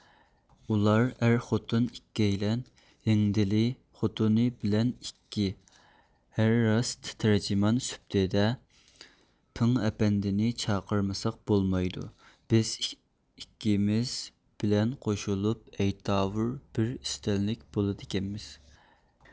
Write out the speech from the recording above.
ئۇلار ئەر خوتۇن ئىككىيلەن ھېڭدېلى خوتۇنى بىلەن ئىككى ھەر راست تەرجىمان سۈپىتىدە پېڭ ئەپەندىنى چاقىرمىساق بولمايدۇ بەش بىز ئىككىمىز بىلەن قوشۇلۇپ ئەيتاۋۇر بىر ئۈستەللىك بولىدىكەنمىز